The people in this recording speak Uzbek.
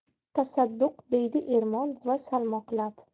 tasadduq deydi ermon buva salmoqlab